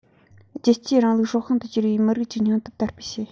རྒྱལ གཅེས རིང ལུགས སྲོག ཤིང དུ གྱུར པའི མི རིགས ཀྱི སྙིང སྟོབས དར སྤེལ བྱེད